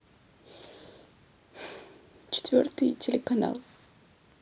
четвертый телеканал